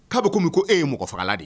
Ko kɔmi min ko e ye mɔgɔ fagala de ye